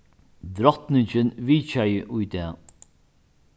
drotningin vitjaði í dag